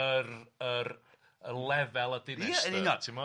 yr yr y lefel y dinestr ti'bod? Ia yn union